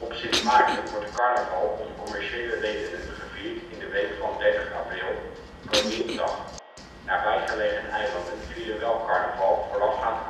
Sint Maarten wordt Carnaval om commerciële redenen gevierd in de week van 30 april, Koninginnedag (nabij gelegen eilanden vieren wel carnaval voorafgaand